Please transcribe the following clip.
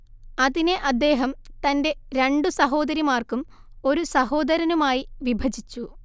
അതിനെ അദ്ദേഹം തന്റെ രണ്ടു സഹോദരിമാർക്കും ഒരു സഹോദരനുമായി വിഭജിച്ചു